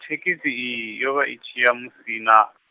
thekhisi iyi yo vha i tshiya musina.